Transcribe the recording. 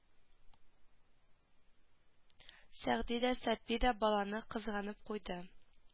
Сәгъди дә сапи да баланы кызганып куйды